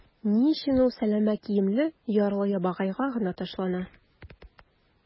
Ни өчен ул сәләмә киемле ярлы-ябагайга гына ташлана?